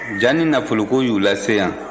ja ni nafoloko y'u lase yan